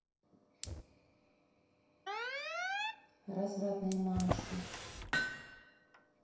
развратные мамочки